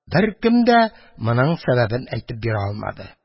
Беркем дә моның сәбәбен әйтеп бирә алмады.